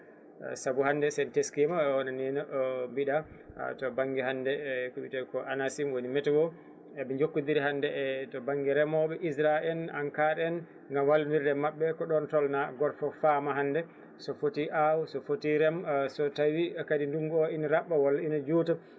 saabu hande sen teskitima o waɗanino o mbiɗa to banggue hande eko wiite ko ANACIM woni météo eɓe jokkodiri hande e to banggue remoɓe ISRA en ENCAR en wallodirde mabɓe ko ɗon tolna goto foof faama hande so footi aw so footi reem so tawi kadi ndngungu o ina rabɓa walla ina juuta